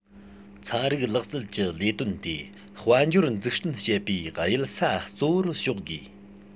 ཚན རིག ལག རྩལ གྱི ལས དོན དེ དཔལ འབྱོར འཛུགས སྐྲུན བྱེད པའི གཡུལ ས གཙོ བོར ཕྱོགས དགོས